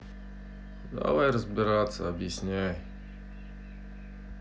давай разбираться объясняй